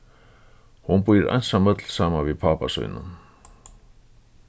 hon býr einsamøll saman við pápa sínum